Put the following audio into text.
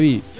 alo oui